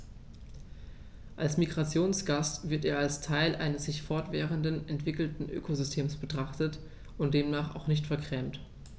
Als Migrationsgast wird er als Teil eines sich fortwährend entwickelnden Ökosystems betrachtet und demnach auch nicht vergrämt.